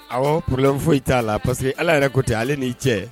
Ɔwɔ purlɛ foyi t'a la parceri que ala yɛrɛ kotɛ ale ni'i cɛ